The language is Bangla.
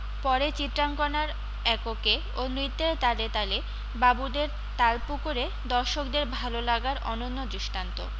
পরে চিত্রাঙ্কনার এককে ও নৃত্যের তালে তালে বাবুদের তালপুকুরে দর্শকদের ভাল লাগার অনন্য দৃষ্টান্ত